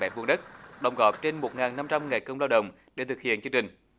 mét vuông đất đóng góp trên một ngàn năm trăm ngày công lao động để thực hiện chương trình